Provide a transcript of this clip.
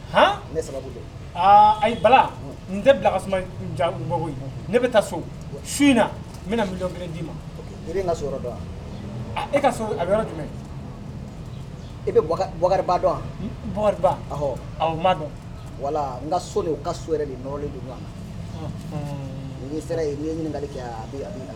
Ayi bala n tɛ bilaka ne bɛ taa so su in na n bɛna jɔn kelen d'i ma ka so dɔn wa e ka so a bɛ yɔrɔ jumɛn e dɔn wala n ka so ka so delen na nin sera ye ɲininkakali kɛ